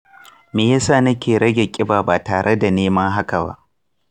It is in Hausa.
me yasa nike rage ƙiba ba tare da gwada neman hakan ba?